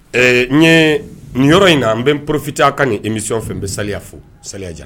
Ɛ n ye nin yɔrɔ in na n bɛ porofifinta ka nin imisɔrɔyɔrɔ fɛ n bɛ sa fo sayaja